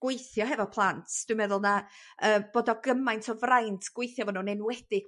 gweithio hefo plant dwi'n meddwl ma' yy bod o gymaint o fraint gweithio 'fo nw'n enwedig